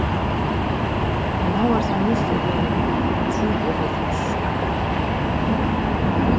men hóast hann júst er vorðin trý og hálvfjerðs